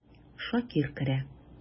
Шакир керә.